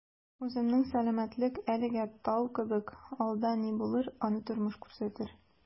Үземнең сәламәтлек әлегә «тау» кебек, алда ни булыр - аны тормыш күрсәтер...